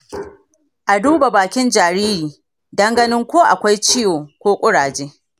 a duba bakin jariri don ganin ko akwai ciwo ko kuraje.